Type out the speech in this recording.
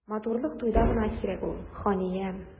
Матурлык туйда гына кирәк ул, ханиям.